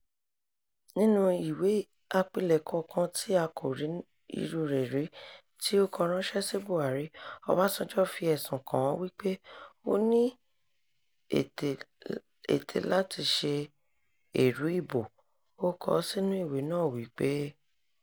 Nínú ìwé àpilẹ̀kọ kan tí a kò rí irúu rẹ̀ rí tí ó kọ ránṣẹ́ sí Buhari, Ọbásanjọ́ fi ẹ̀sùn kàn-án wípé ó ní ètè láti ṣe èrú ìbò. Ó kọ ọ́ sínú ìwé náà wípé: